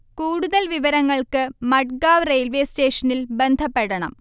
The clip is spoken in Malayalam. കൂടുതൽ വിവരങ്ങൾക്ക് മഡ്ഗാവ് റെയിൽവേ സ്റ്റേഷനിൽ ബന്ധപ്പെടണം